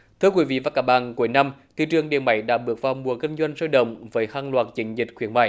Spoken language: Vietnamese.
thưa quý vị và các bạn cuối năm thị trường điện máy đã bước vào mùa kinh doanh sôi động với hàng loạt chiến dịch khuyến mại